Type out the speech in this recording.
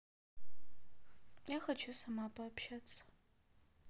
я хочу сама пообщаться